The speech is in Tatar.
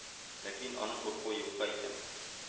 Ләкин аның куркуы юкка икән